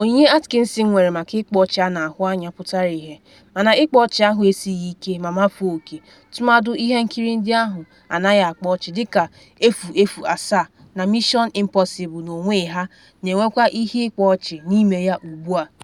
Onyinye Atkinson nwere maka ịkpa ọchị a na-ahụ anya pụtara ihie, mana ịkpa ọchị ahụ esighi ike ma mafee oke, tụmadị ihe nkiri ndị ahụ “anaghị akpa ọchị” dịka 007 na Mission Impossible n’onwe ha na-enwekwa ihe ịkpa ọchị n’ime ya ugbu a.